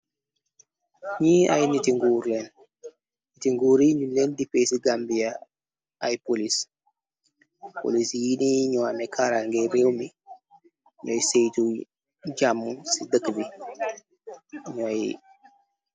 Li ay niti nguur lang niti nguur yi ñu leen dipee ci gambiya ay polis polis yi ni ño ame kara ngir réew mi ñooy seytu jàmmu ci dëkka bi mooy.